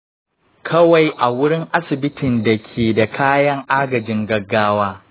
kawai a wurin asibiti da ke da kayan agajin gaggawa.